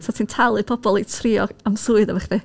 So ti'n talu pobl i trio am swydd efo chdi.